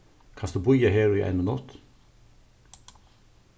kanst tú bíða her í ein minutt